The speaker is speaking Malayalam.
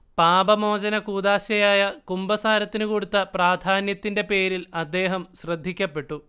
പാപമോചനകൂദാശയായ കുമ്പസാരത്തിനു കൊടുത്ത പ്രാധാന്യത്തിന്റെ പേരിൽ അദ്ദേഹം ശ്രദ്ധിക്കപ്പെട്ടു